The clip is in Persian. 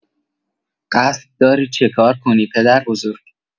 قصد داری چه کار کنی پدربزرگ؟